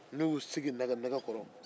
n'u y'u sigi nɛgɛ nɛgɛkɔrɔ